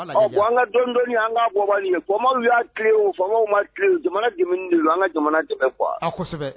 An ka dondɔ an ka y'a tile o faama jamana an ka jamana jumɛn kuwa